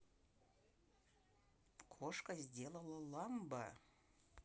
кошка сделала ламбо